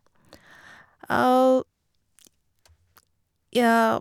Ja.